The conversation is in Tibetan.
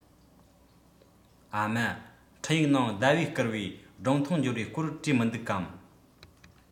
ཨ མ འཕྲིན ཡིག ནང ཟླ བས བསྐུར བའི སྒྲུང ཐུང འབྱོར བའི སྐོར བྲིས མི འདུག གམ